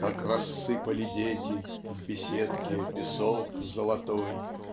как рассыпали дети в беседке песок золотой".